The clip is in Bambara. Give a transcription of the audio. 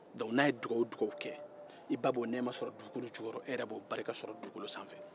n'a ye dugawu o dugawu kɛ i ba b'o nɛɛma sɔrɔ dugu jukɔrɔ et yɛrɛ b'o nɛɛma sɔrɔ dugukolo sanfɛ